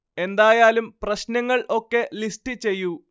എന്തായാലും പ്രശ്നങ്ങൾ ഒക്കെ ലിസ്റ്റ് ചെയ്യൂ